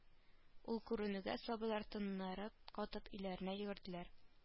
Ул күренүгә сабыйлар тыннары катып өйләренә йөгерделәр